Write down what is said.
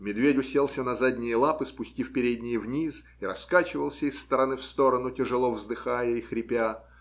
Медведь уселся на задние лапы, спустив передние вниз, и раскачивался из стороны в сторону, тяжело вздыхая и хрипя.